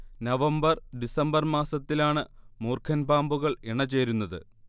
November December മാസത്തിലാണ് മൂർഖൻ പാമ്പുകൾ ഇണചേരുന്നത്